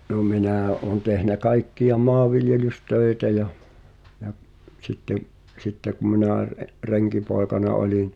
no minä olen tehnyt kaikkia maanviljelystöitä ja ja sitten sitten kun minä - renkipoikana olin